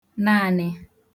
naànị